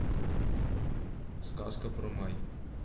сказка про май